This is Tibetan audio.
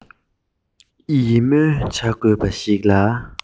ཕྲུ གུ ཆུང ཆུང ཞིག གི སྣ ནས